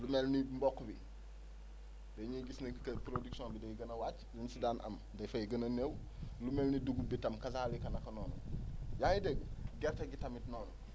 lu mel ni mboq bi dañuy gis ne que production bi day gën a wàcc lu ñu si daan am dafay gën a néew lu mel ni dugub tam kazaalika naka noonu yaa ngi dégg gerte gi tamit noonu